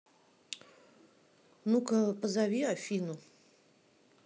ну ка позови афину